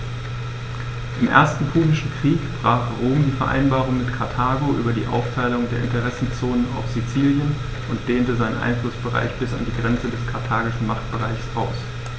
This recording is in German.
Im Ersten Punischen Krieg brach Rom die Vereinbarung mit Karthago über die Aufteilung der Interessenzonen auf Sizilien und dehnte seinen Einflussbereich bis an die Grenze des karthagischen Machtbereichs aus.